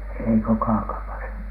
ei kun Kaakamassa